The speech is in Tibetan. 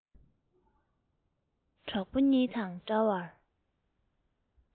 གྲོགས པོ གཉིས དང འདྲ བར